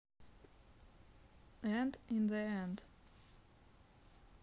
and in the end